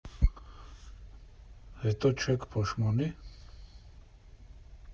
֊Հետո չե՞ք փոշմանի։